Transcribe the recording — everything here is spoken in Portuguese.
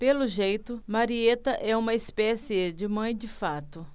pelo jeito marieta é uma espécie de mãe de fato